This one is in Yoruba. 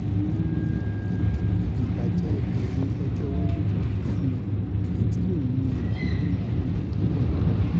Òhun níì ìbájẹ́ èrè ọjọ́ iwájú gígùn fún un èyití yóò mú un là nínú́ àwọn ọdún tónbo níwájú́.